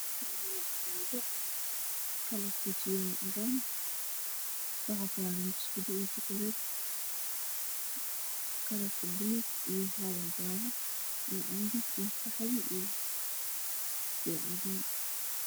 Meshani waa Armaajo kalarkiisu waacadaan wax saran buskuyo iy jukulat kalarabulug iyo waxa waye jalo iy0 canbi iyo qaxwi iyo cadan